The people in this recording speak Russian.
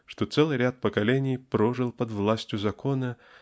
что целый ряд поколений прожил под властью закона